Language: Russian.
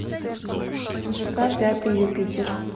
жк пятый юпитер